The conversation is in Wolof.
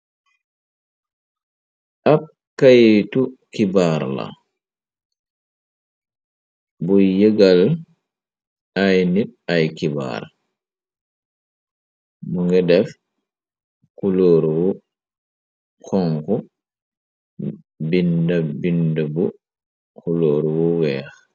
Ab kayitu kibaar la buy yëgal ay nit ay kibaar mu nga def xulóoru wu xonk bind bu xulooru wu weex.